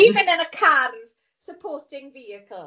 Fi'n mynd yn y car, supporting vehicle.